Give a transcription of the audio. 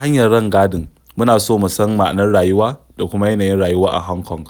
Ta hanyar rangadin, muna so mu san ma'anar rayuwa da kuma yanayin rayuwa a Hong Kong.